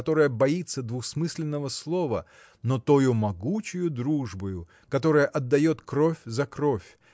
которая боится двусмысленного слова но тою могучею дружбою которая отдает кровь за кровь